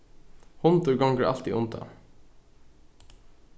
hundur gongur altíð undan